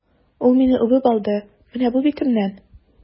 Ул мине үбеп алды, менә бу битемнән!